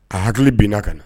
A hakili bin ka na